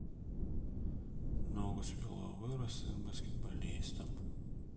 ногу свело вырос сын баскетболистом